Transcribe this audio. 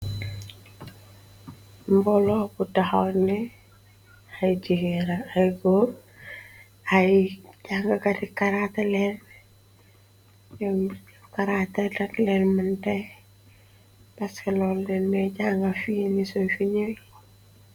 Mbolo bu taxaw ne ay jigeen la ay goor, ay jangakati karaata dak leen. Nyom karate rek len mun paske lolu lan dey jànga sun nyuwe fii.